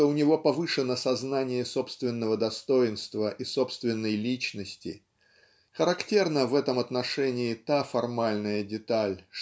что у него повышено сознание собственного достоинства и собственной личности (характерна в этом отношении та формальная деталь